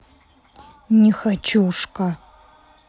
нехочушка